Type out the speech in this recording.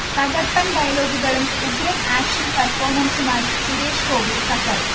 തകർപ്പൻ ഡയലോഗുകളും ഉഗ്രൻ ആക്ഷൻ പെർഫോമൻസുമായി സുരേഷ്ഗോപി കസറി